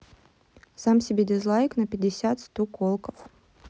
сам тебе дизлайк на пятьдесят стуколков